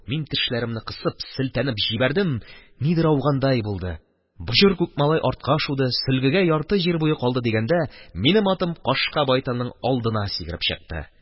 Мин тешләремне кысып селтәнеп җибәрдем, нидер аугандай булды, боҗыр күк малай артка шуды, сөлгегә ярты җир буе калды дигәндә, минем атым кашка байталның алдына сикереп чыкты.